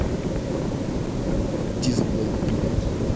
дизлайк блять